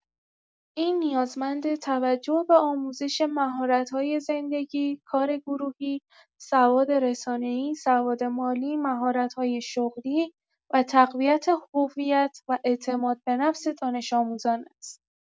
این نیازمند توجه به آموزش مهارت‌های زندگی، کار گروهی، سواد رسانه‌ای، سواد مالی، مهارت‌های شغلی و تقویت هویت و اعتماد به نفس دانش‌آموزان است.